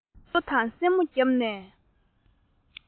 སོ དང སེན མོ བརྒྱབ ནས